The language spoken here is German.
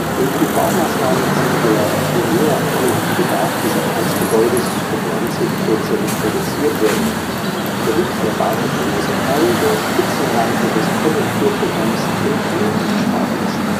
Durch die Baumaßnahmen konnte der Primärenergiebedarf des Empfangsgebäudes um 90 Prozent reduziert werden, womit der Bahnhof Rosenheim der Spitzenreiter des Konjunkturprogramms im Energiesparen ist